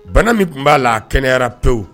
Bana min tun b'a la kɛnɛyayara pewu